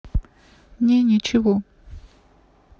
не ничего